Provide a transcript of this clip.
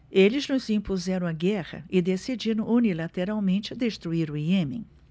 eles nos impuseram a guerra e decidiram unilateralmente destruir o iêmen